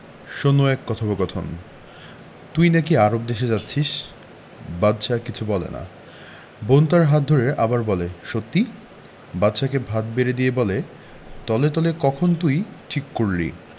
০১ কথোপকথন তুই নাকি আরব দেশে যাচ্ছিস বাদশা কিছু বলে না বোন তার হাত ধরে আবার বলে সত্যি বাদশাকে ভাত বেড়ে দিয়ে বলে তলে তলে কখন তুই ঠিক করলি